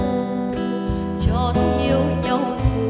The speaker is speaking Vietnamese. trót yêu nhau